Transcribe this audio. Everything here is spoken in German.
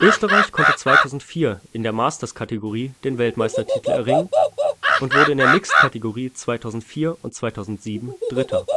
Österreich konnte 2004 in der Masters-Kategorie den Weltmeistertitel erringen und wurde in der Mixed-Kategorie 2004 und 2007 Dritter